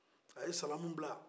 a ye salamu bila